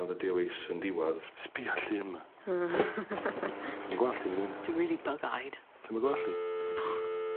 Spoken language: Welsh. ...o'dd y dewis yn diwadd. Sbia llun 'ma. Hmm. Lle ma' gwallt ti fan yna? Dwi rili bug eyed. Lle ma' gwalt di? Wbo!